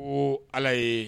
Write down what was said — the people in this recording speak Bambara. Ala ye